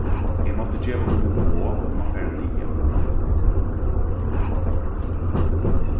eg mátti geva honum boð um at fara niðan